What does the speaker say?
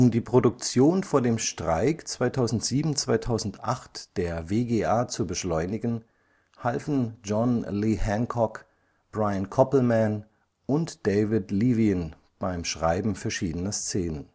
die Produktion vor dem Streik 2007/08 der WGA zu beschleunigen, halfen John Lee Hancock, Brian Koppelman und David Levien beim Schreiben verschiedener Szenen